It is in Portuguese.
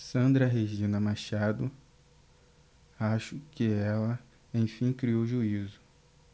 sandra regina machado acho que ela enfim criou juízo